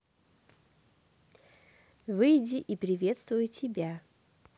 выйди и приветствую тебя